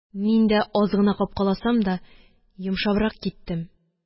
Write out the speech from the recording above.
Мин дә аз гына капкаласам да йомшабрак киттем.